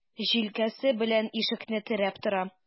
Җилкәсе белән ишекне терәп тора.